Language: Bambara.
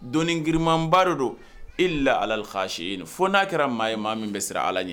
Donni giriman ba don illa a lal kachi ina fɔ n'a kɛra maa ye maa min bɛ siran allah ɲɛ.